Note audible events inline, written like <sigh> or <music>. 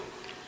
<hesitation> <hesitation>